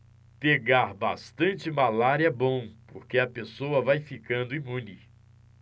pegar bastante malária é bom porque a pessoa vai ficando imune